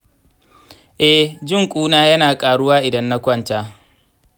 eh, jin ƙuna yana ƙaruwa idan na kwanta.